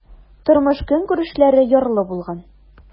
Тормыш-көнкүрешләре ярлы булган.